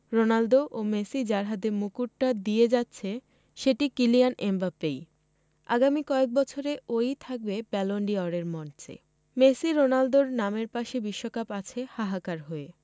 Ronaldo ও Messi যার হাতে মুকুটটা দিয়ে যাচ্ছে সেটি কিলিয়ান এমবাপ্পেই আগামী কয়েক বছরে ও ই থাকবে ব্যালন ডি অরের মঞ্চে মেসি রোনালদোর নামের পাশে বিশ্বকাপ আছে হাহাকার হয়ে